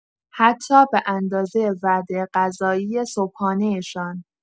حتی به‌اندازه وعده غذایی صبحانه‌شان؟